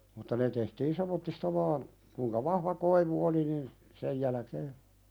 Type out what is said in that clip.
mutta ne tehtiin semmoisista vain kuinka vahva koivu oli niin sen jälkeen